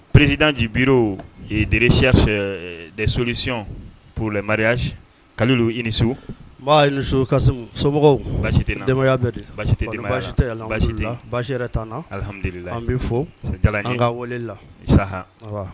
Perezsid ncibiridresi fɛ desolisi purlɛma ka don i nisu somɔgɔw basiya basite basi alilila an bɛ fo an ka la sa